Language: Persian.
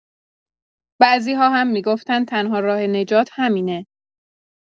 بعضی‌ها هم می‌گفتن تنها راه نجات همینه.